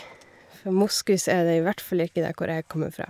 For moskus er det i hvert fall ikke der hvor jeg kommer fra.